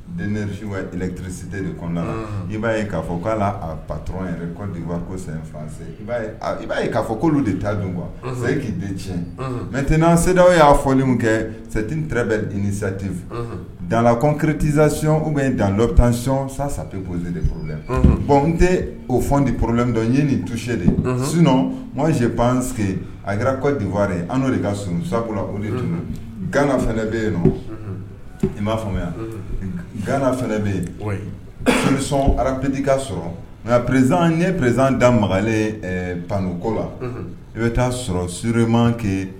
Densi kirisite de i b'a ye k'a fɔ k' pat yɛrɛdifa ko sɛfa i b'a ye k'a fɔ'olu de ta dun kuwa sayi k'i den tiɲɛ mɛten seda o y'a fɔlen kɛ sɛti tɛ bɛ dsati danlaɔn kiretizsiyɔn bɛ dandɔ tanyɔn sa sappzoro la bɔn n tɛ o fɔdi porolendɔ ye nin tuseyɛn de sun makansee pananke a kɛrara kɔdiware an'o de ka s sunuru sakura olu de tun gana fana bɛ yen i b'a faamuya gana fɛ bɛ yensɔnɔn pka sɔrɔ nka prez ye prezsan da malen panuko la i bɛ taa sɔrɔ surmake